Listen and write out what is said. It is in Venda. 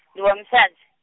ndi wa musadzi.